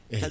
eeyi